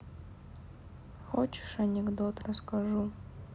хочешь анекдот расскажу